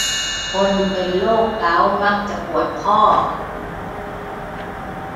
คนเป็นโรคเก๋ามักจะปวดข้อ